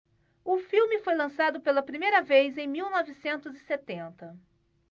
o filme foi lançado pela primeira vez em mil novecentos e setenta